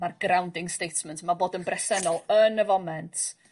ma'r grounding statement ma' bod yn bresennol yn y foment